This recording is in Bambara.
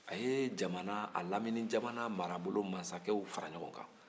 a ye jamana a lamini jamana mansakɛw fara ɲɔgɔn kan